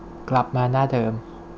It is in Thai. กลับมาหน้าเดิม